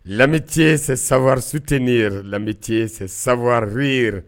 Lammitisɛ saba suteni lamitisɛ sabaure